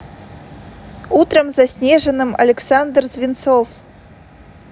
утром заснеженным александр звинцов